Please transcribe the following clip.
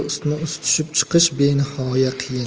ustma ust tushib chiqish benihoya qiyin